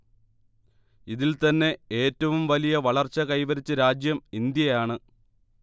ഇതിൽ തന്നെ ഏറ്റവും വലിയ വളർച്ച കൈവരിച്ച രാജ്യം ഇന്ത്യയാണ്